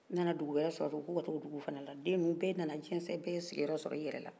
u nana dugu wɛrɛ sɔrɔ a fɔra k'u ka taka o dugu fana la den nunun bɛɛ nana jɛsɛn bɛɛ ye sigin yɔrɔ sɔrɔ i yɛrɛ la